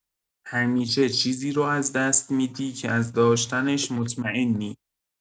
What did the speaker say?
همیشه چیزی رو از دست می‌دی که از داشتنش مطمئنی!